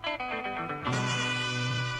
Sangɛnin yo